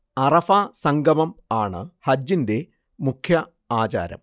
അറഫാ സംഗമം ആണു ഹജ്ജിന്റെ മുഖ്യ ആചാരം